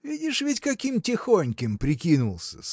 Видишь, ведь каким тихеньким прикинулся!